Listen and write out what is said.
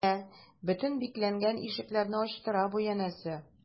Мә, бөтен бикләнгән ишекләрне ачтыра бу, янәсе...